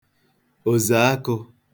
òzèakụ̄